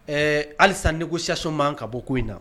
Ee halisa ne siso man ka bɔ ko in na